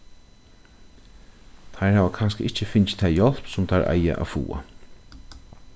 teir hava kanska ikki hava fingið ta hjálp sum teir eiga at fáa